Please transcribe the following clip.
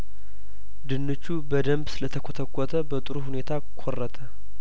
ድንቹ በደንብ ስለተኰተኰተ በጥሩ ሁኔታ ኰረተ